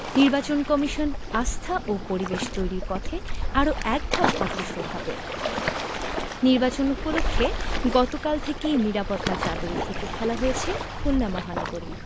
নির্বাচন কমিশন আস্থা ও পরিবেশ তৈরির পথে আরো একধাপ অগ্রসর হবে নির্বাচন উপলক্ষে গতকাল থেকে নিরাপত্তার চাদরে ঢেকে ফেলা হয়েছে খুলনা মহানগরী